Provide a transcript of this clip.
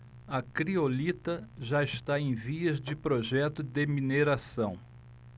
a criolita já está em vias de projeto de mineração